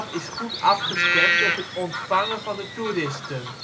is goed afgestemd op het ontvangen van de toeristen